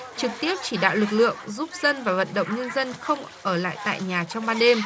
trực tiếp chỉ đạo lực lượng giúp dân và vận động nhân dân không ở lại tại nhà trong ban đêm